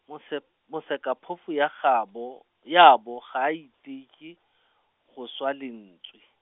Mosep-, Mosekaphofu ya gaabo, yaabo ga a iteke, go swa lentswe.